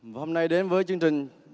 hôm nay đến với chương trình